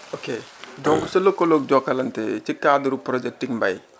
ok donc sa lëkkaloo ak Jokalante ci cadre projet Ticmbay